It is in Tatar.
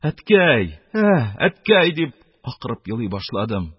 Әткәй, ә, әткәй? - дип, акырып елый башладым.